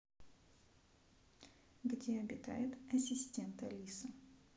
где обитает ассистент алиса